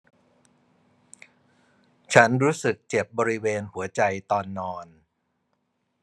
ฉันรู้สึกเจ็บบริเวณหัวใจตอนนอน